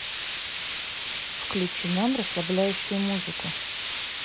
включи нам расслабляющую музыку